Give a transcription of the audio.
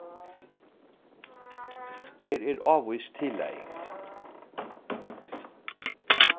her er ávís tillaging